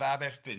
Fab Erbyn.